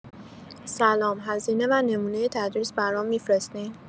سلام هزینه و نمونه تدریس برام می‌فرستین؟